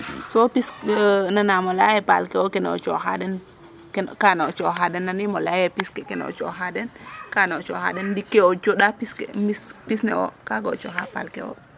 so pis nanam o leya ye ka paal kewo kene o coxa den kana o coxa den nanim o leya ye pis ke kene o coxa den kana o coxa den ndi ko ndi ke o coxa pis ke pis newo kaga o coxa paal ke wo